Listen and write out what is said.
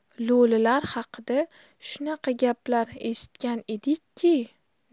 lo'lilar haqida shunaqa gaplar eshitgan edikki